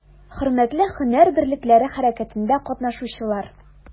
Хөрмәтле һөнәр берлекләре хәрәкәтендә катнашучылар!